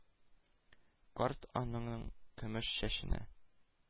Карт ананың көмеш чәченә